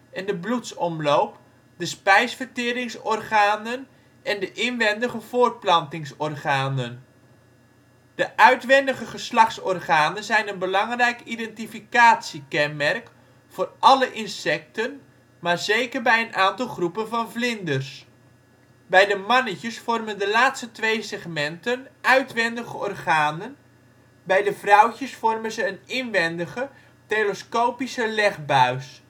en de bloedsomloop, de spijsverteringsorganen en de inwendige voortplantingsorganen. De uitwendige geslachtsorganen zijn een belangrijk identificatiekenmerk voor alle insecten maar zeker bij een aantal groepen van vlinders. Bij de mannetjes vormen de laatste 2 segmenten uitwendige organen, bij de vrouwtjes vormen ze een inwendige, telescopische legbuis